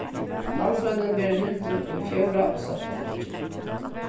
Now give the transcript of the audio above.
landsroyndin verður hildin í fjórða og sætta flokki